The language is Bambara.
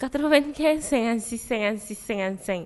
Katobali kɛ sɛgɛn-sɛ-sɛsɛ